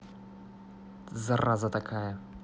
зараза такая